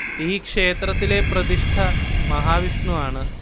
ഈ ക്ഷേത്രത്തിലെ പ്രതിഷ്ഠ മഹാവിഷ്ണു ആണ്